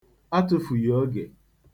atụfughị oge